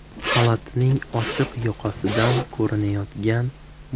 xalatining ochiq yoqasidan ko'rinayotgan